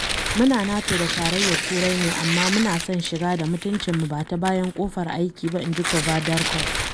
“Mu na NATO da Tarayyar Turai ne, amma muna son shiga da mutuncimu, ba ta bayan ƙofar aiki ba,” inji Kavadarkov.